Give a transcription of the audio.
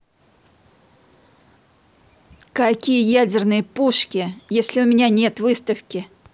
какие ядерные пушки если у меня нет выставки